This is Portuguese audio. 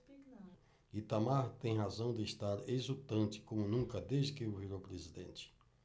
itamar tem razão de estar exultante como nunca desde que virou presidente